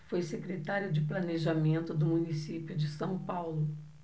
foi secretário de planejamento do município de são paulo